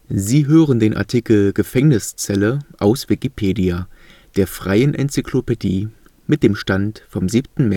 Sie hören den Artikel Gefängniszelle, aus Wikipedia, der freien Enzyklopädie. Mit dem Stand vom Der